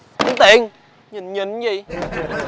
tính tiền nhìn nhìn nhìn cái